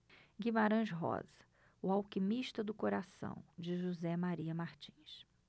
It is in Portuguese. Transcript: guimarães rosa o alquimista do coração de josé maria martins